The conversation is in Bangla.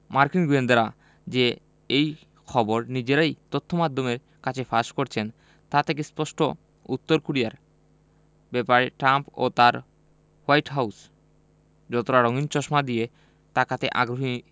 মার্কিন গোয়েন্দারা যে এই খবর নিজেরাই তথ্যমাধ্যমের কাছে ফাঁস করেছেন তা থেকে স্পষ্ট উত্তর কোরিয়ার ব্যাপারে ট্রাম্প ও তাঁর হোয়াইট হাউস যতটা রঙিন চশমা দিয়ে তাকাতে আগ্রহী